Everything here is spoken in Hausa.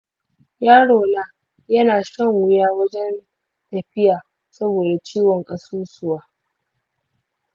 yaro na yana shan wuya wajen tafiya saboda ciwon ƙasusuwa.